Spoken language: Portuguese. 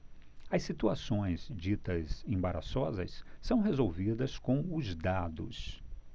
as situações ditas embaraçosas são resolvidas com os dados